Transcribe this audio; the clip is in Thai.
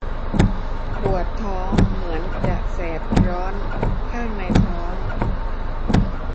ปวดท้องเหมือนจะแสบร้อนข้างในท้อง